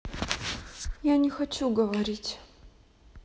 я не хочу говорить